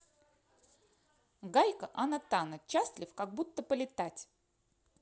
гайка а натана частлив как будто полетать